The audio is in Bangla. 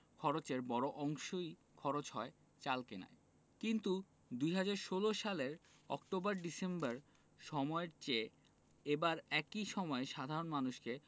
খরচের বড় অংশই খরচ হয় চাল কেনায় কিন্তু ২০১৬ সালের অক্টোবর-ডিসেম্বর সময়ের চেয়ে এবার একই সময়ে সাধারণ মানুষকে